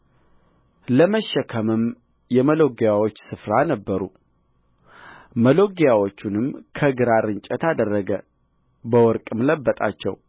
ለመሸከምም የመሎጊያዎች ስፍራ ነበሩ መሎጊያዎቹንም ከግራር እንጨት አደረገ በወርቅም ለበጣቸው